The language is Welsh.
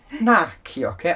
Naci ocê!